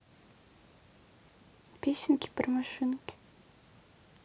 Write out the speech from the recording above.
песенки про машинки